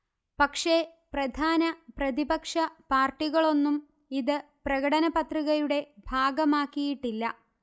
പക്ഷേ പ്രധാന പ്രതിപക്ഷ പാർട്ടികളൊന്നും ഇത് പ്രകടനപത്രികയുടെ ഭാഗമാക്കിയിട്ടില്ല